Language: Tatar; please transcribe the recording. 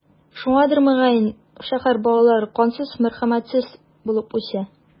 Шуңадыр, мөгаен, шәһәр балалары кансыз, мәрхәмәтсез булып үсә.